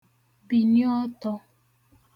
-bìni ọtọ̄